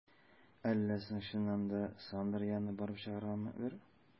Әллә соң чыннан да, Сандра янына барып чыгаргамы бер?